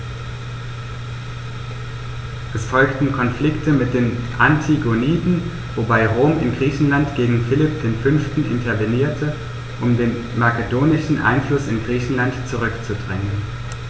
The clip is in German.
Es folgten Konflikte mit den Antigoniden, wobei Rom in Griechenland gegen Philipp V. intervenierte, um den makedonischen Einfluss in Griechenland zurückzudrängen.